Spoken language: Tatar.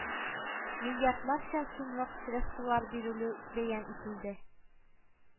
Миллиардларча сумлык средствалар бирелү бәян ителде